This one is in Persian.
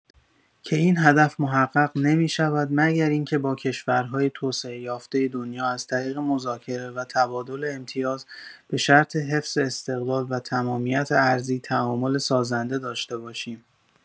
که این هدف محقق نمی‌شود مگر اینکه با کشورهای توسعۀافته دنیا از طریق مذاکره و تبادل امتیاز به شرط حفظ استقلال و تمامیت ارضی تعامل سازنده داشته باشیم.